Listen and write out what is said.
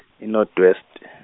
e- North-west.